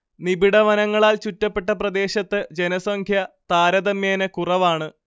നിബിഢ വനങ്ങളാൽ ചുറ്റപ്പെട്ട പ്രദേശത്ത് ജനസംഖ്യ താരതമ്യേന കുറവാണ്